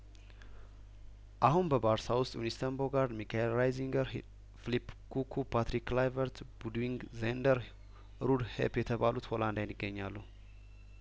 አሁን በባርሳ ውስጥ ዊኒስተን ቦጋርድና ሚካኤል ራይዚገር ሂግ ፊሊፕ ኮኩ ፓትሪክ ኩላይቨርት ቡድዊን ግዜን ደርሩ ድሄፕ የተባሉ ሆላንዳዊያን ይገኛሉ